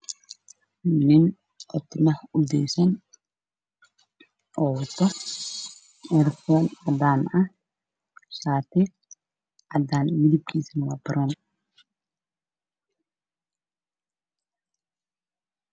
Nin oo timaha udaysan oo wato herofoon cadaan ah